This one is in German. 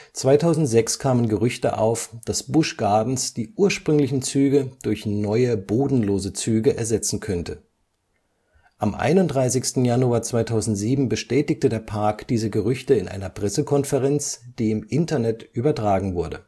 2006 kamen Gerüchte auf, dass Busch Gardens die ursprünglichen Züge durch neue bodenlose Züge ersetzen könnte. Am 31. Januar 2007 bestätigte der Park diese Gerüchte in einer Pressekonferenz, die im Internet übertragen wurde